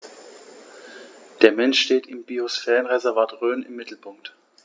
Der Mensch steht im Biosphärenreservat Rhön im Mittelpunkt.